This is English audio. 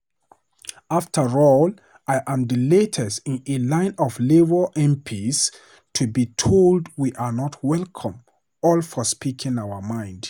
After all, I'm the latest in a line of Labour MPs to be told we are not welcome - all for speaking our minds.